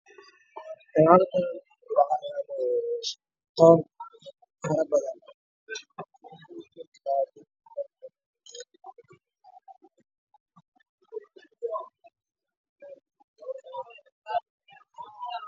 Halkan waxa iga muqda toon farabadan